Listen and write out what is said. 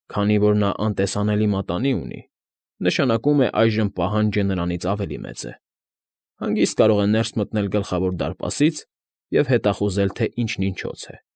Քանի որ նա անտեսանելի մատանի ունի, նշանակում է այժմ պահանջը նրանից ավելի մեծ է, հանգիստ կարող է ներս մտնել Գլխավոր դարպասից և հետախուզել, թե ինչն ինչոց է։